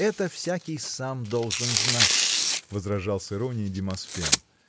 это всякий сам должен знать, -- возражал с иронией Демосфен.